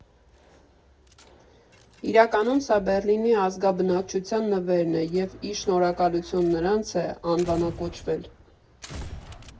Իրականում սա Բեռլինի ազգաբնակչության նվերն է և ի շնորհակալություն նրանց է անվանակոչվել։